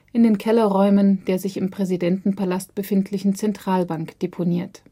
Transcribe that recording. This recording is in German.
in den Kellerräumen der sich im Präsidentenpalast befindlichen Zentralbank deponiert